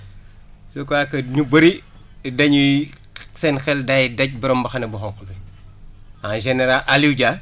je crois que énu bëri dañuy seen xel day daj borom mbaxane mu xonk mi en général Aliou Dia